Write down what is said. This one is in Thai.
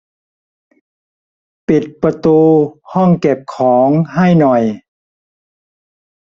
ปิดประตูห้องเก็บของให้หน่อย